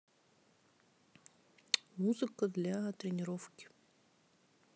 музыка для тренировки